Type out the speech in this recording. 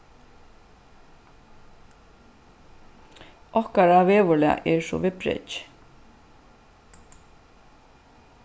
okkara veðurlag er so viðbrekið